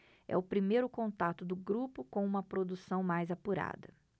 é o primeiro contato do grupo com uma produção mais apurada